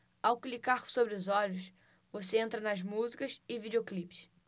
ao clicar sobre os olhos você entra nas músicas e videoclipes